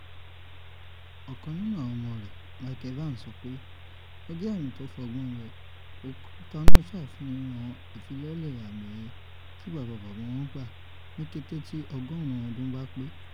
Ọ̀kan nínú àwọn ọmọọmọ rẹ̀, Michael Vann, sọ pé ó jẹ́ “àmí tó fọ́gbọ́nyọ”, òkútà náà ṣàfihàn ìfilọ́lẹ̀ àmi ẹ̀yẹ tí bábabàbà wọ́n gba ní kété tí ọgọ́rùn-ún ọdún bá pé.